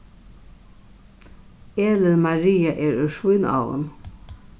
elin maria er úr svínáum